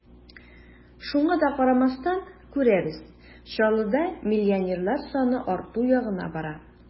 Шуңа да карамастан, күрәбез: Чаллыда миллионерлар саны арту ягына бара.